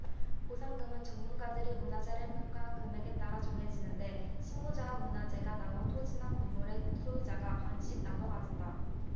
보상금은 전문가들이 문화재를 평가한 금액에 따라 정해지는데 신고자와 문화재가 나온 토지나 건물의 소유자가 반씩 나눠 가진다